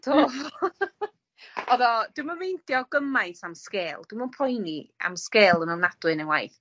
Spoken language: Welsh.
Do! Odd o, dwi'm yn meindio gymaint am sgêl, dwi'm yn poeni am sgêl yn ofnadwy yn 'yn waith.